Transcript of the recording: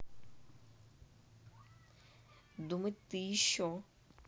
думать ты еще